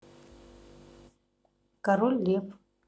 король лев